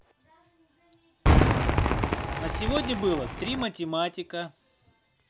на сегодня было три математика